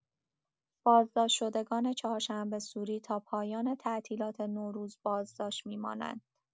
بازداشت‌شدگان چهارشنبه‌سوری تا پایان تعطیلات نوروز بازداشت می‌مانند.